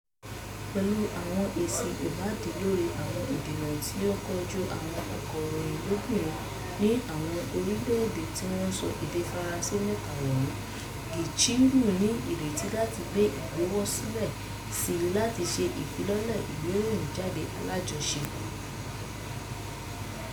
Pẹ̀lú àwọn èsì ìwádìí lórí àwọn ìdènà tí ó ń kojú àwọn akọ̀ròyìn lóbìnrin ní àwọn orílẹ́ èdè tí wọn ń sọ èdè Faransé mẹ́ta wọ̀nyí, Gicheru ní ìrètí láti gbé ìgbéowósílẹ̀ sii láti ṣe ìfilọ́lẹ̀ ìgbéròyìnjáde alájọṣe.